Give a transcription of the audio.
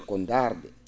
kon daarde